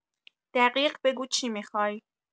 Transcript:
دقیق بگو چی میخوای؟